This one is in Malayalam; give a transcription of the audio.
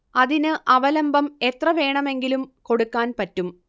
അതിന് അവലംബം എത്ര വേണമെങ്കിലും കൊടുക്കാൻ പറ്റും